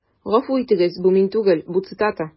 Гафу итегез, бу мин түгел, бу цитата.